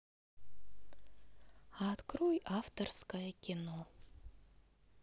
открой авторское кино